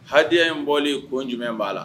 Ha in bɔlen ko jumɛn b'a la